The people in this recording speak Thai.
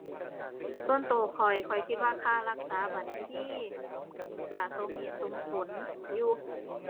ส่วนตัวข้อยข้อยคิดว่าค่ารักษาบัญชีตัวสมเหตุสมผลอยู่